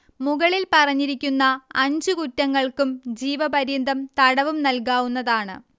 മുകളിൽ പറഞ്ഞിരിക്കുന്ന അഞ്ചു കുറ്റങ്ങൾക്കും ജീവപര്യന്തം തടവും നൽകാവുന്നതാണ്